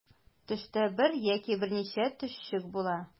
Төштә бер яки берничә төшчек була.